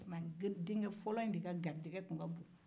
nga denkɛ fɔlɔ in de ka garijɛgɛ tun ka bon